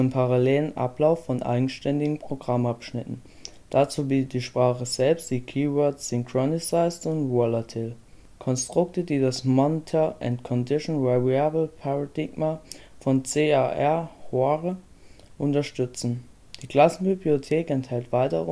parallelen Ablauf von eigenständigen Programmmabschnitten. Dazu bietet die Sprache selbst die Keywords synchronized und volatile – Konstrukte, die das „ Monitor & Condition Variable Paradigma “von C. A. R. Hoare unterstützen. Die Klassenbibliothek enthält weitere